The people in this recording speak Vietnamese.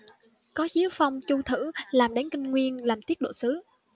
có chiếu phong chu thử làm đến kinh nguyên làm tiết độ sứ